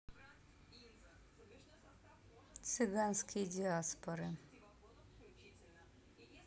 цыганские диаспоры